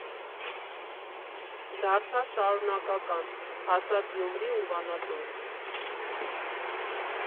Դարձավ շարունակական, հասան Գյումրի ու Վանաձոր։